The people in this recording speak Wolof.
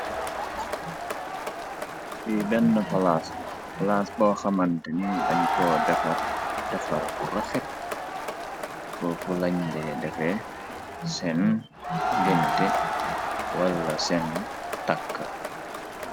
Li benn flasopalaas bo xamante ni dañu ko rdefar bu rafe fofu lañde defee seen gente wala seen tàkka.